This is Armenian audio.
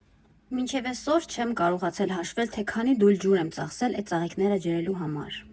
Մինչև էսօր չեմ կարողացել հաշվել, թե քանի դույլ ջուր եմ ծախսել էդ ծաղիկները ջրելու համար։